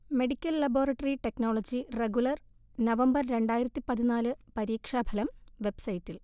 medical laboratory technology regular November രണ്ടായിരത്തി പതിനാല് പരീക്ഷാഫലം വെബ്സൈറ്റിൽ